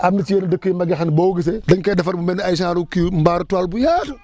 am na si yenn dëkk yu mag yoo xam ni boo ko gisee dañu koy defar mu mel ne ay genre kii mbaaru toile bu yaatu